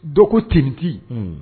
Do ko tintigi